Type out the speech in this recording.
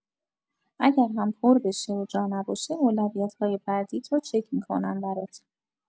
اگر هم پر بشه و جا نباشه اولویت‌های بعدیت رو چک می‌کنن برات